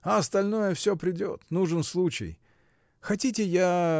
А остальное всё придет, нужен случай. Хотите, я.